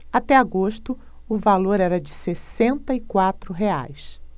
até agosto o valor era de sessenta e quatro reais